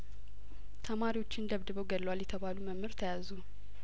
ተማሪያቸውን ደብድበው ገድለዋል የተባሉ መምህር ተያዙ